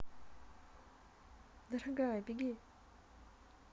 дорогая беги